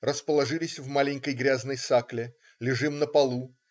Расположились в маленькой грязной сакле. Лежим на полу.